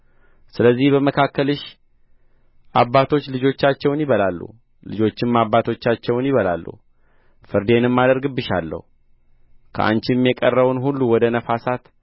ስለዚህ በመካከልሽ አባቶች ልጆቻቸውን ይበላሉ ልጆችም አባቶቻቸውን ይበላሉ ፍርድንም አደርግብሻለሁ ከአንቺም የቀረውን ሁሉ ወደ ነፋሳት